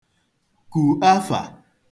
kù afà